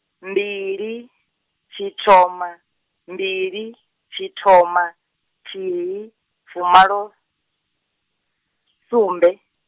mbili, tshithoma, mbili , tshithoma, thihi, fumalosumbe.